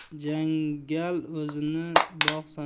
jangal o'zini bog' sanar